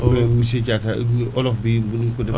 mais monsieur Diatta olof bi mën nañ ko def